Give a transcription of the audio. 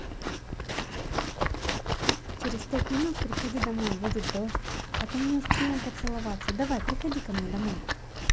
через пять минут приходи домой будет дождь потом не успеем поцеловаться давай приходи ко мне домой